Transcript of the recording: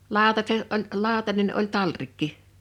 lautaset oli lautanen oli talrikki